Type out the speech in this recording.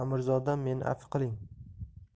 amirzodam meni avf qiling